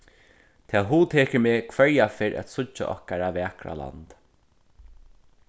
tað hugtekur meg hvørja ferð at síggja okkara vakra land